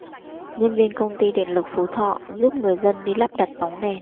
nhân viên công ty điện lực phú thọ giúp người dân lắp đặt bóng đèn